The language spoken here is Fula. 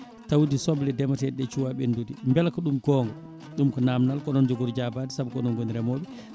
tawde soble ndeemate ɗe ɗe cuuwa ɓendude beela ko ɗum gongua ɗum ko namdal ko onon jogori jabade saabu ko onon gooni remoɓe